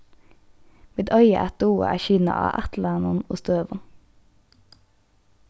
vit eiga at duga at skyna á ætlanum og støðum